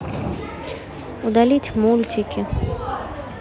удалить мультики